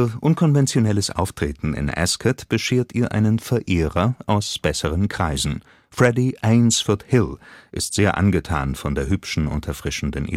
unkonventionelles Auftreten in Ascot beschert ihr einen Verehrer aus besseren Kreisen. Freddy Eynsford-Hill ist sehr angetan von der hübschen und erfrischenden